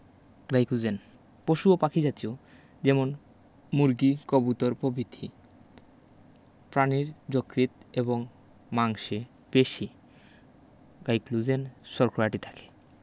glycogen পশু ও পাখি জাতীয় যেমন মুরগি কবুতর পভিতি প্রাণীর যকৃৎ এবং মাংসে পেশি গাইক্লোজেন শর্করাটি থাকে